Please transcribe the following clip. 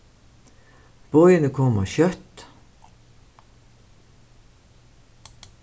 boðini koma skjótt